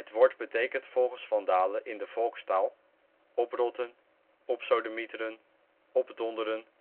woord betekent volgens Van Dale in de volkstaal: oprotten, opsodemieteren, opdonderen